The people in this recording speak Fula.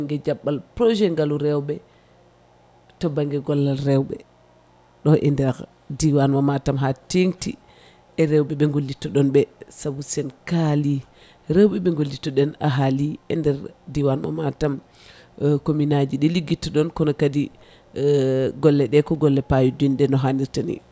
gue jabɓal projet ngaalu rewɓe to banggue gollal rewɓe ɗo e nder diwan mo Matam ha tengti e rewɓe ɓe gollitoɗon ɓe saabu sen kaali rewɓe ɓe gollitoɗena haali e nder diwan mo Matam commune aji ɗi ligguidto ɗon kono kadi golleɗe ko golle payodinde no hanirta ni